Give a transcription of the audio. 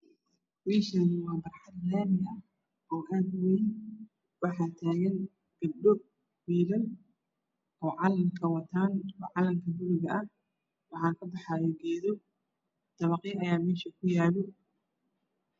Meeshaan waa barxad laami ah waxaa taagan gabdho iyo wiilal oo calan buluug ah wataan waxaa kabaxaayo geedo dabaqyo ayaa kadhisan.